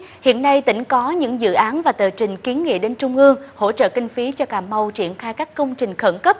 hiện nay tỉnh có những dự án và tờ trình kiến nghị đến trung ương hỗ trợ kinh phí cho cà mau triển khai các công trình khẩn cấp